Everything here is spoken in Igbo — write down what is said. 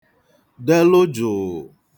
delụ jụ̀ụ̀